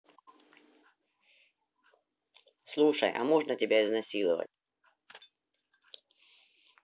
слушай а можно тебя изнасиловать